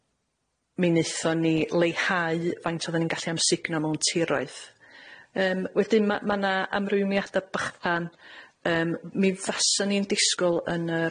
Mi neuthon ni leihau faint oddan ni'n gallu amsugno mewn tiroedd. Yym, wedyn ma' ma' 'na amrwymiada bychan. Yym mi faswn i'n disgwl yn yr